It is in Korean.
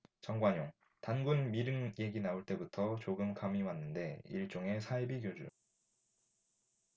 정관용 단군 미륵 얘기 나올 때부터 조금 감이 왔는데 일종의 사이비교주